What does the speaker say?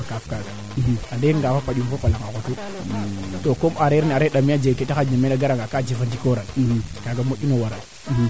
a jega mayu maa ando naye a maya baa refa a bañ nan nen keene fop xana waralan ndax ñak maa xooxona ñak parcelle na xooxona yo wala namo